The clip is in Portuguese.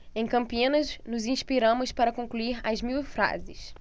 em campinas nos inspiramos para concluir as mil frases